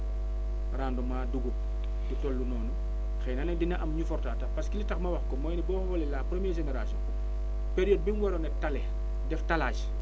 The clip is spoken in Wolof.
rendement dugub du toll noonu xëy na nag dina am ñu fortaat parce que li tax ma wax ko mooy ni boo xoolee la première génération période bi mu waroon a taler def talage